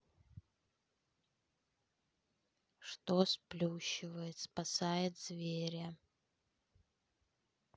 что сплющивает спасает зверя